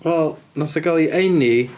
Wel, wnaeth o gael ei eni...